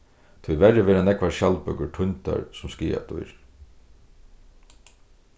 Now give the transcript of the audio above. tíverri verða nógvar skjaldbøkur týndar sum skaðadýr